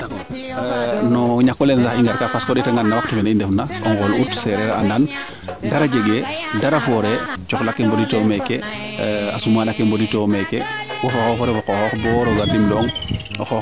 no ñako leene sax i ngar ka parce que o ndeeta ngaan no waxtu feeke i ndef na o ŋool Aout sereer a andan dara njunde dara foore coxla ke a mbditoyo meeke a sumana ke mboditoyo meeke wo fo xoxof o ref o qoxoox bo rooga dimle ong